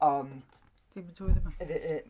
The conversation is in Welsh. Ond... Dim yn tywydd yma. Yy y-...